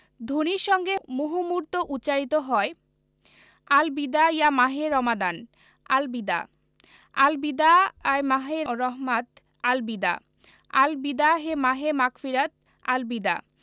ধ্বনির সঙ্গে মুহুর্মুহু উচ্চারিত হয় আল বিদা ইয়া মাহে রমাদান আল বিদা আল বিদা আয় মাহে রহমাত আল বিদা আল বিদা হে মাহে মাগফিরাত আল বিদা